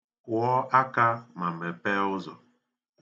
Kụọ aka ma mepee ụzọ.